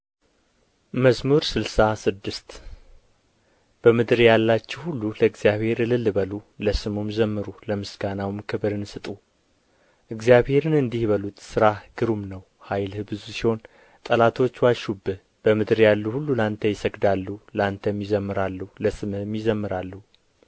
መዝሙር ስልሳ ስድስት በምድር ያላችሁ ሁሉ ለእግዚአብሔር እልል በሉ ለስሙም ዘምሩ ለምስጋናውም ክብርን ስጡ እግዚአብሔርን እንዲህ በሉት ሥራህ ግሩም ነው ኃይልህ ብዙ ሲሆን ጠላቶች ዋሹብህ በምድር ያሉ ሁሉ ለአንተ ይሰግዳሉ ለአንተም ይዘምራሉ ለስምህም ይዘምራሉ